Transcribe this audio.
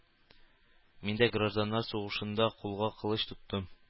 Мин дә гражданнар сугышында кулга кылыч тоттым